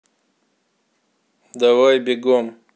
давай бегом